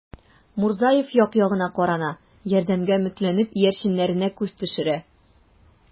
Мурзаев як-ягына карана, ярдәмгә өметләнеп, иярченнәренә күз төшерә.